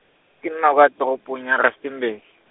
ke nna kwa toropong ya Rustenburg.